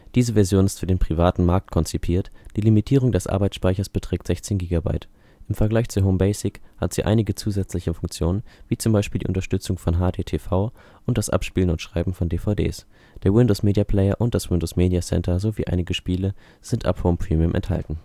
Diese Version ist für den privaten Markt konzipiert, die Limitierung des Arbeitsspeichers beträgt 16 GB. Im Vergleich zu Home Basic hat sie einige zusätzliche Funktionen wie z. B. die Unterstützung von HDTV und das Abspielen und Schreiben von DVDs. Der Windows Media Player und das Windows Media Center sowie einige Spiele sind ab Home Premium enthalten